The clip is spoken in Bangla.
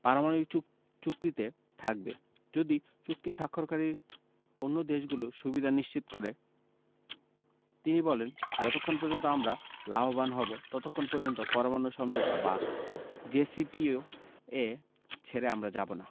পারমাণবিক চুক চুক্তিতে থাকবে যদি চুক্তি স্বাক্ষরকারী অন্য দেশগুলো সুবিধা নিশ্চিত করে তিনি বলেন যতক্ষণ পর্যন্ত আমরা লাভবান হব ততক্ষণ পর্যন্ত পরমাণু সমঝোতা বা জেসিপিওএ ছেড়ে আমরা যাব না